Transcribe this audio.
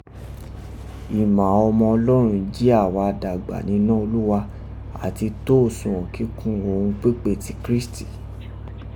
imà ọma Ọlọrọn ji áà wá dagba ninọ́ Oluwa, ati tó osuwon kikọ́n òghun pipé ti Kirisiti.